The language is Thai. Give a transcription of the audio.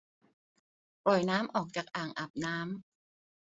ปล่อยน้ำออกจากอ่างอาบน้ำ